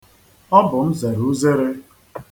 Ọ bụ m zere uzere.